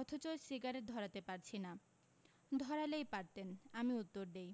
অথচ সিগারেট ধরাতে পারছি না ধরালেই পারতেন আমি উত্তর দিই